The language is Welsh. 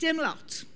Dim lot.